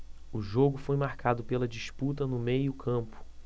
o jogo foi marcado pela disputa no meio campo